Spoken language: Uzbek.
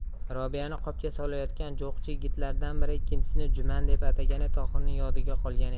robiyani qopga solayotgan jo'qchi yigitlardan biri ikkinchisini juman deb atagani tohirning yodida qolgan edi